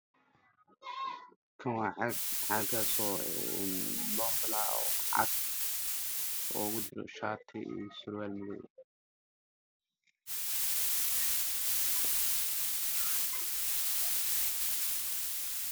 Kani waa caag boonbalo ah waxaa kujiro shaati iyo surwaal madow ah.